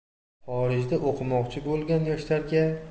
xorijda o'qimoqchi bo'lgan